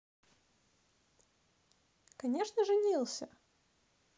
конечно женился